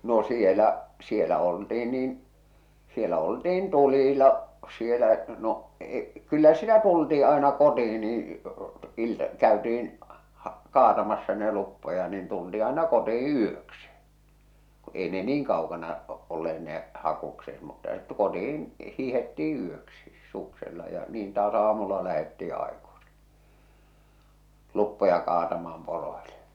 no siellä siellä oltiin niin siellä oltiin tulilla siellä no - kyllä sitä tultiin aina kotiin niin ilta käytiin - kaatamassa ne luppoja niin tultiin aina kotiin yöksi ka ei ne niin kaukana olleet ne hakukset mutta - kotiin hiihdettiin yöksi suksella ja niin taas aamulla lähdettiin aikaisin luppoja kaatamaan poroille